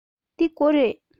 འདི སྒོ རེད